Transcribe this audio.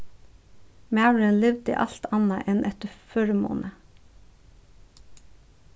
maðurin livdi alt annað enn eftir førimuni